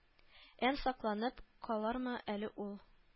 Әм сакланып калырмы әле ул